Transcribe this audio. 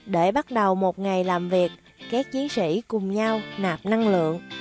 để bắt đầu một ngày làm việc các chiến sĩ cùng nhau nạp năng lượng